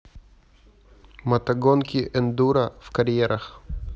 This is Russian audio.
мотогонки эндура в карьерах